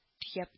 Төяп